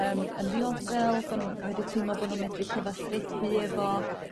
yn yn ddiogel bo' nw m- medru teimlo bo' nhw'n medru cyfathrebu efo